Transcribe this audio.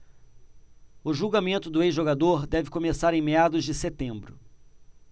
o julgamento do ex-jogador deve começar em meados de setembro